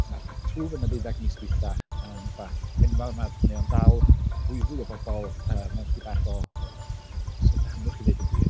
Ma'r twf yn y ddeuddeg mis dwytha yn rywbeth enfawr mae mae o'n dal fwyfwy o bobl yy mewn ychydig bach o o syfrdanwch i ddweud y gwir.